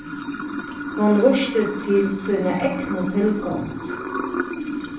hon vísti til sína egnu tilgongd